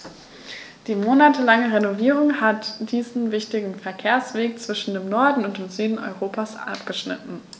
Die monatelange Renovierung hat diesen wichtigen Verkehrsweg zwischen dem Norden und dem Süden Europas abgeschnitten.